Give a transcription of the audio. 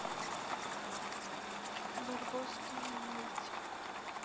барбоскины мультик